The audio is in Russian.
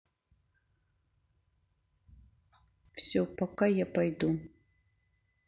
все пока я пойду